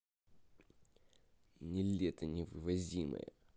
niletto невывозимая